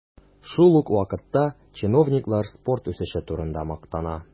Шул ук вакытта чиновниклар спорт үсеше турында мактана.